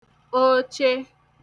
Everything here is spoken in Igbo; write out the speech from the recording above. oche